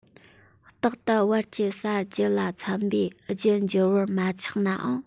རྟག ཏུ བར གྱི ས རྒྱུད ལ འཚམ པའི རྒྱུད འགྱུར བར མ ཆགས ནའང